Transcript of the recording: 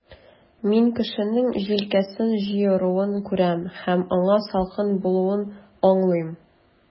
Мин кешенең җилкәсен җыеруын күрәм, һәм аңа салкын булуын аңлыйм.